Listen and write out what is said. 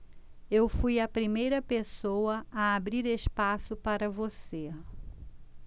eu fui a primeira pessoa a abrir espaço para você